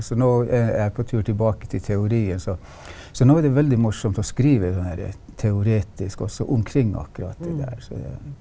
så nå er er jeg på tur tilbake til teorien så så nå er det veldig morsomt å skrive det her teoretisk også omkring akkurat det her så ja.